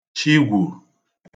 chigwo